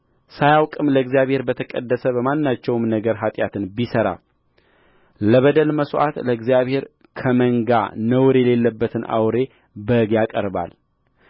ሳያውቅም ለእግዚአብሔር በተቀደሰው በማናቸውም ነገር ኃጢአትን ቢሠራ ለበደል መሥዋዕት ለእግዚአብሔር ከመንጋ ነውር የሌለበትን አውራ በግ ያቀርባል